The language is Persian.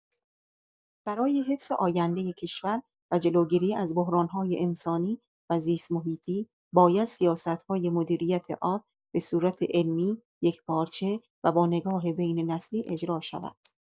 برای حفظ آیندۀ کشور و جلوگیری از بحران‌های انسانی و زیست‌محیطی، باید سیاست‌های مدیریت آب به‌صورت علمی، یکپارچه و با نگاه بین‌نسلی اجرا شود.